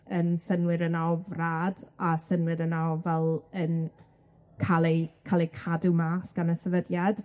yym synnwyr yna o frad a synnwyr yna o fel yym ca'l eu ca'l eu cadw mas gan y sefydliad.